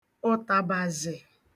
ụtàbàzhị̀